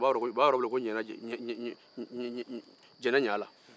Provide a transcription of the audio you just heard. u b'a yɔrɔ weele ko ɲɛlajɛ ɲɛ-ɲɛ jɛnɛɲala